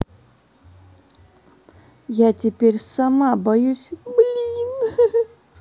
я теперь сама боюсь блин